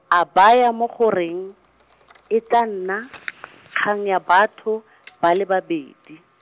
a baya mo go reng, e tla nna, kgang ya batho , ba le babedi.